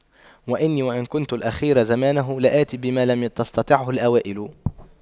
وإني وإن كنت الأخير زمانه لآت بما لم تستطعه الأوائل